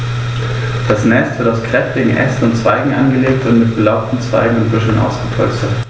Das Nest wird aus kräftigen Ästen und Zweigen angelegt und mit belaubten Zweigen und Büscheln ausgepolstert.